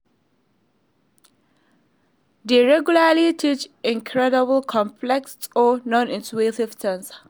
They regularly teach incredibly complex or nonintuitive things.